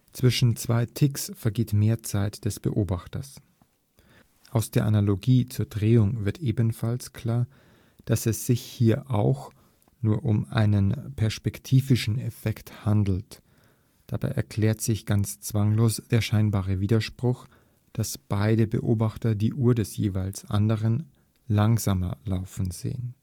zwischen zwei Ticks vergeht mehr Zeit des Beobachters). Aus der Analogie zur Drehung wird ebenfalls klar, dass es sich auch hierbei nur um einen „ perspektivischen “Effekt handelt. Damit erklärt sich ganz zwanglos der scheinbare Widerspruch, dass beide Beobachter die Uhr des jeweils anderen langsamer laufen sehen